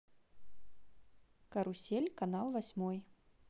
карусель канал восьмой